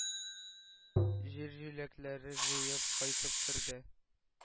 Җир җиләкләре җыеп кайтып керде.